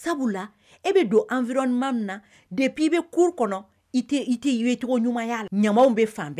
Sabula e bɛ don anfrinlima min na depii bɛ kuru kɔnɔ i tɛ ye tɔgɔ ɲumanya ɲamaw bɛ fan